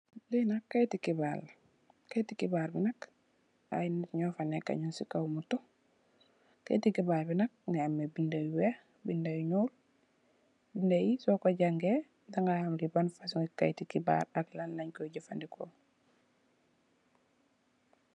Li nak kayetu kibaar la, kayetu kibaar bi nak ay nit nyo fa nekka nung ci kaw moto. Kayetu kibaar bi nak mungi ameh binda yu weeh, binda yu ñuul. Binda yi soko jàngay daga ham li ban fasung kayeti kibaar la ak lan leen koy jafadeko.